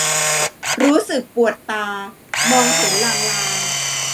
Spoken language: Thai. รู้สึกปวดตามองเห็นลางลาง